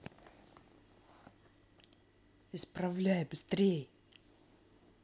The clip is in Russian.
исправляй быстрей